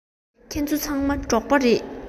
ཁྱེད ཚོ ཚང མ འབྲོག པ རེད